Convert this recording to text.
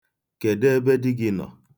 Kedụ ebe di gị nọ?